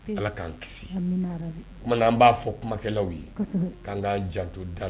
Ala k'an kisian b'a fɔ kumakɛlaw ye k''an janto